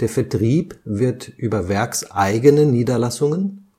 Vertrieb wird über werkseigene Niederlassungen